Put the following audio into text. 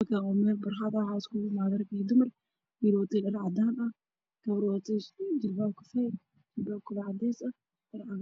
Waa meel banaan oo dad badan iskugu imaadeen waxaa ka dambeeyay guryo dabaq oo cadaan ah